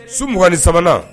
Su mugan ni sabanan